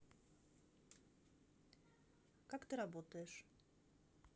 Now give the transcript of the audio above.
как ты работаешь